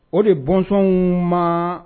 O de bɔnsɔn ma